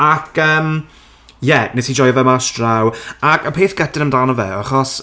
Ac yym ie wnes i joio fe mas draw ac y peth gutting amdano fe achos...